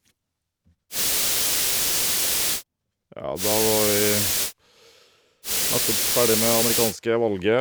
Ja, da var vi nettopp ferdig med amerikanske valget.